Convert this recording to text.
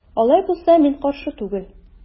Алай булса мин каршы түгел.